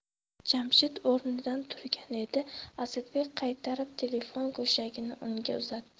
jamshid o'rnidan turgan edi asadbek qaytarib telefon go'shagini unga uzatdi